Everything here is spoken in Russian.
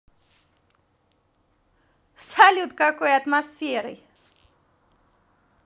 салют какой атмосферой